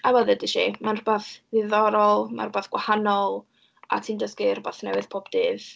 A fel ddeudais i, mae'n rwbath ddiddorol, mae'n rwbath gwahanol a ti'n dysgu rwbath newydd pob dydd.